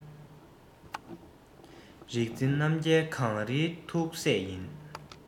རིག འཛིན རྣམ རྒྱལ གངས རིའི ཐུགས སྲས ཡིན